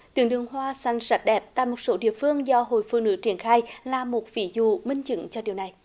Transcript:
tuyến đường hoa xanh sạch đẹp tại một số địa phương do hội phụ nữ triển khai là một ví dụ minh chứng cho điều này